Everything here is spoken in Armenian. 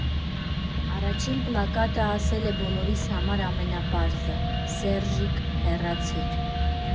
Առաջին պլակատը ասել է բոլորիս համար ամենապարզը՝ «Սերժիկ, հեռացիր»։